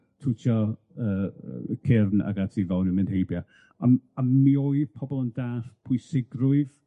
twtio yy yy cyrn ag ati fel o'n ni'n mynd heibio a m- a mi oedd pobol yn dallt pwysigrwydd